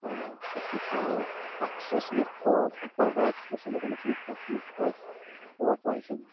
Ma' gallu cael access i'r cod agored felly ma' gennych chi berchnogaeth o'r gwaith yna.